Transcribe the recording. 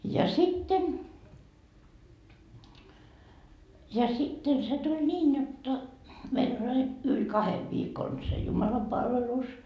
ja sitten ja sitten se tuli niin jotta meillä oli aina yli kahden viikon se jumalanpalvelus